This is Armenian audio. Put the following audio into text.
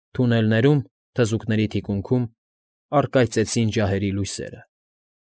Թունելում, թզուկների թիկունքում, առկայծեցին ջահերի լույսերը։